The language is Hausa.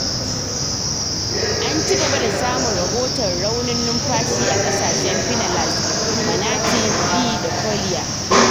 An cigaba da samun rahoton Raunin numfashi a kasashen Pinellas, Manatee, Lee, da Collier.